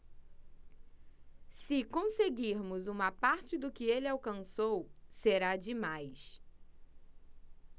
se conseguirmos uma parte do que ele alcançou será demais